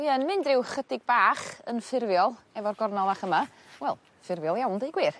dwi yn mynd ryw chydig bach yn ffurfiol efo'r gornal fach yma wel ffurfiol iawn deu gwir.